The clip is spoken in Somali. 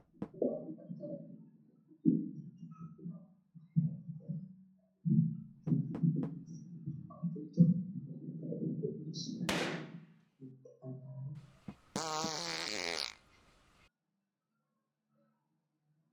Waxaa ii muuqda bad waxaa ka soo sokeeyo darbi dudunsan waxaa kaloo ii muuqda geedo cagaaran oo fara badan